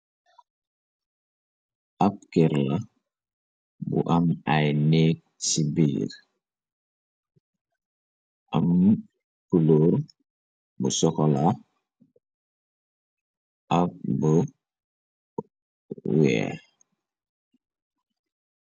Ab kerry bu am ay néeg ci biir , am puloor bu sokola , ab bu weex.